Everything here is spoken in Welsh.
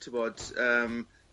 t'bod yym